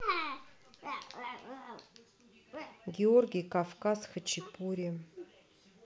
георгий кавказ хачапури